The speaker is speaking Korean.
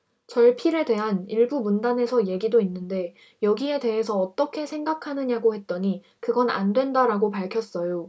절필에 대한 일부 문단에서 얘기도 있는데 여기에 대해서 어떻게 생각하느냐고 했더니 그건 안 된다라고 밝혔어요